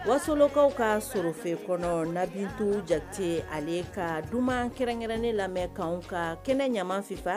Wasokaw ka sfe kɔnɔ nabidenw jatete ale ka dumuni kɛrɛnkɛrɛnnen lamɛn kan ka kɛnɛ ɲama ffa